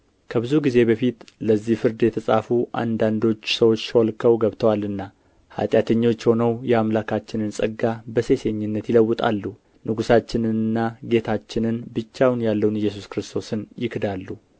ከብዙ ጊዜ በፊት ለዚህ ፍርድ የተጻፉ አንዳንዶች ሰዎች ሾልከው ገብተዋልና ኃጢአተኞች ሆነው የአምላካችንን ጸጋ በሴሰኝነት ይለውጣሉ ንጉሣችንንና ጌታችንንም ብቻውን ያለውን ኢየሱስ ክርስቶስን ይክዳሉ